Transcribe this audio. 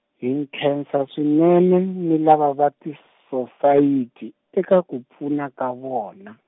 hi nkhensa swinene ni lava va tisosayiti eka ku pfuna ka vona.